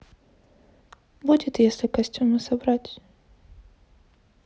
будет если костюмы собрать